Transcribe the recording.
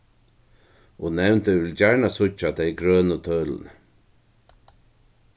og nevndin vil gjarna síggja tey grønu tølini